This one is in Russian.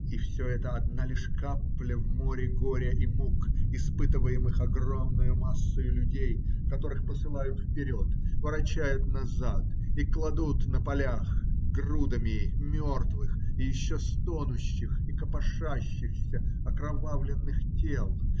и все это одна лишь капля в море горя и мук, испытываемых огромною массою людей, которых посылают вперед, ворочают назад и кладут на полях грудами мертвых и еще стонущих и копошащихся окровавленных тел.